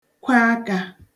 kweakā